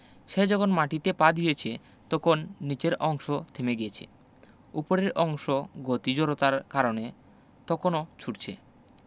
সে যখন মাটিতে পা দিয়েছে তখন নিচের অংশ থেমে গিয়েছে ওপরের অংশ গতি জড়তার কারণে তখনো ছুটছে